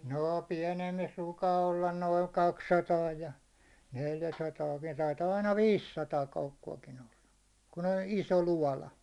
no pienemmissä ruukaa olla noin kaksisataa ja neljäsataa - taitaa aina viisisataa koukkuakin olla kun on iso loota